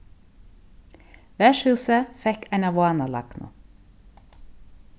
vertshúsið fekk eina vána lagnu